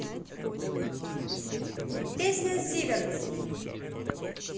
песня zivert